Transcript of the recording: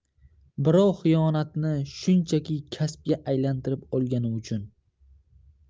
birov xiyonatni shunchaki kasbga aylantirib olgani uchun